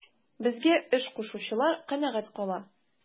Безгә эш кушучылар канәгать кала.